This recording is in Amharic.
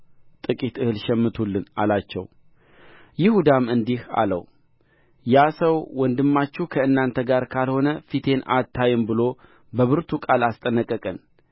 ጥቂት እህል ሸምቱልን አላቸው ይሁዳም እንዲህ አለው ያ ሰው ወንድማችሁ ከእናንተ ጋር ካልሆነ ፊቴን አታዩም ብሎ በብርቱ ቃል አስጠነቀቀን